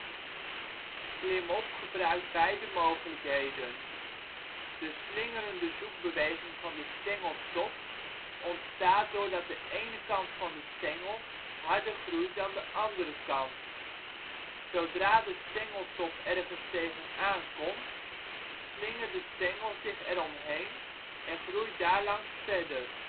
Klimop gebruikt beide mogelijkheden. De slingerende zoekbeweging van de stengeltop ontstaat doordat de ene kant van de stengel harder groeit dan de andere kant. Zodra de stengeltop ergens tegen aan komt, slingert de stengel zich er omheen en groeit daarlangs verder